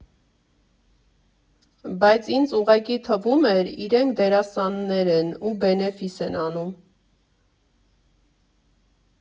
Բայց ինձ ուղղակի թվում էր՝ իրենք դերասաններ են ու բենեֆիս են անում։